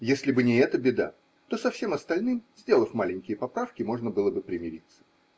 Если бы не эта беда, то со всем остальным, сделав маленькие поправки, можно было бы примириться.